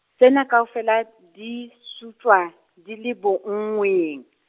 tsena kaofela di sutjwa di le bonngweng.